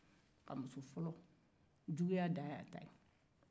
a musofɔlɔ juguya dan y'a ta ye